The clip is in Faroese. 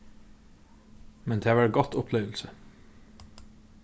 men tað var eitt gott upplivilsi